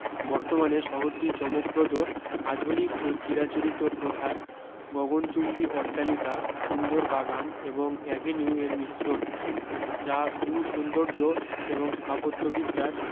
বর্তমানে শহরটি চমকপ্রদ আধুনিক ও চিরাচরিত প্রথার গগনচুম্বি অট্টালিকা সুন্দর বাগান এবং এভেনিউ এর মিশ্রন যা ভূ সৌন্দর্য এবং স্থাপত্যবিদ্যার